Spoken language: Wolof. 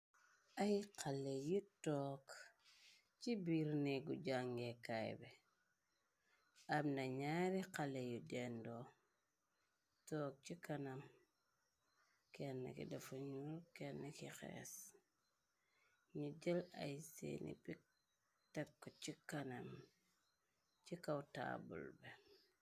Ay xale yi took ci biir neegu jàngeekaay bi, amna ñaari xale yu dendoo took ci kanam, kenn ki dafa ñur, kenn ki xees, ñi jël ay seeni piktak ci kanam, ci kaw taabul bi.